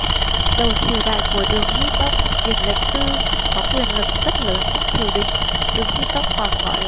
đầu triều đại của đường hy tông điền lệnh tư có quyền lực rất lớn trong triều đình đường hy tông còn gọi